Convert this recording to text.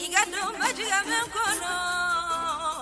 MUSIQUE ET CHANSON